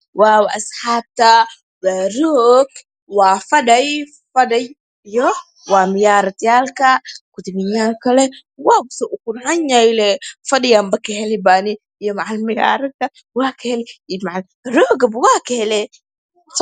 Waaw asxapta waa roog wa fadhii iyo murayad yaalka waaw suu uqurxan yahy lee fadhiganpa kahelaypa iyo macala muyarada iyo macala rogaba wa kahelee